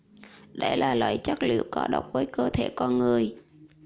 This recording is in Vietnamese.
đây là loại chất liệu có độc với cơ thể con người